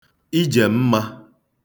Ijèmmā